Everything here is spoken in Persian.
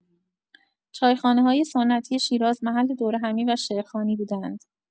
چای‌خانه‌های سنتی شیراز محل دورهمی و شعرخوانی بوده‌اند.